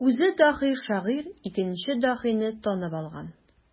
Үзе даһи шагыйрь икенче даһине танып алган.